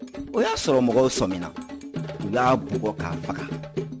o y'a sɔrɔ mɔgɔw sɔmina u y'a bugɔ k'a faga